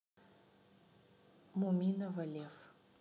муминова лев